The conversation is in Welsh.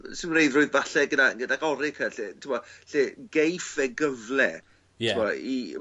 yy 'sim reidwyr falle gyda gyda Orica lle t'bo' lle geiff e gyfle... Ie. ...t'wo' i...